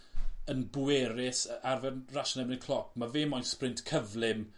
yn bwerus yy arfer rasio yn erbyn y cloc. Ma' fe moyn sprint cyflym